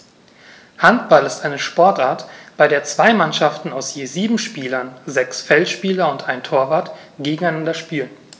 Handball ist eine Sportart, bei der zwei Mannschaften aus je sieben Spielern (sechs Feldspieler und ein Torwart) gegeneinander spielen.